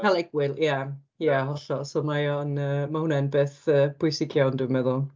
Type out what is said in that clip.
Cael egwyl ie. Ie, hollol. So, mae o'n yy... ma' hwnna'n beth pwysig iawn, dwi'n meddwl.